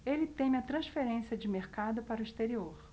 ele teme a transferência de mercado para o exterior